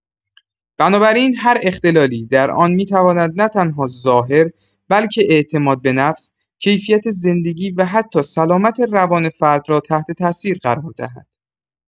بنابراین هر اختلالی در آن می‌تواند نه‌تنها ظاهر، بلکه اعتمادبه‌نفس، کیفیت زندگی و حتی سلامت روان فرد را تحت‌تأثیر قرار دهد.